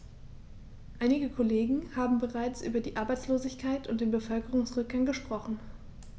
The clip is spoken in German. Einige Kollegen haben bereits über die Arbeitslosigkeit und den Bevölkerungsrückgang gesprochen.